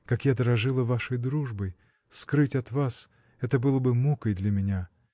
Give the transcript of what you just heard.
как я дорожила вашей дружбой: скрыть от вас — это было бы мукой для меня.